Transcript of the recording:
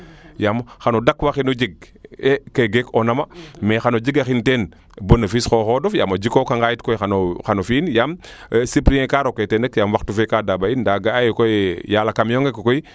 yaam xano daakwa xino jeg ke geek oona ma mais xano jega xin teen benefice xoxodof yaam o jikooka nga yit xano fi'in yaam supplier kaa roke teen rek yaam waxtu fee kaa daaba in ndaa ga'aye koye yaal a camion ngake koy